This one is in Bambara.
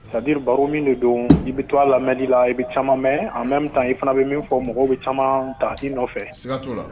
Sadiri baa min de don i bɛ to a lamɛdi la i bɛ caman mɛn an mɛ tan i fana bɛ min fɔ mɔgɔw bɛ caman ta'i nɔfɛ